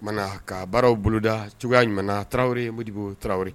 Oumana ka baararaw boloda cogoya jamana tarawelerawri mugu tarawelerawri